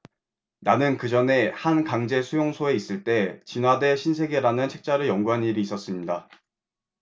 나는 그전에 한 강제 수용소에 있을 때 진화 대 신세계 라는 책자를 연구한 일이 있었습니다